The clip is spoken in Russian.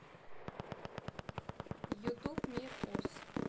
ютуб мир ос